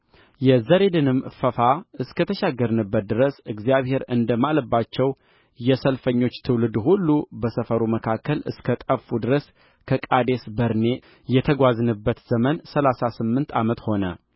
የዘሬድንም ፈፋ እስከ ተሻገርንበት ድረስ እግዚአብሔር እንደ ማለባቸው የሰልፈኞች ትውልድ ሁሉ ከሰፈሩ መካከል እስከ ጠፉ ድረስ ከቃዴስ በርኔ የተጓዝንበት ዘመን ሠላሳ ስምንት ዓመት ሆነ